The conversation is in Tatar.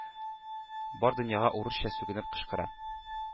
Бар дөньяга урысча сүгенеп кычкыра.